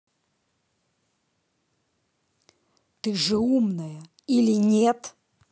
ты же умная или нет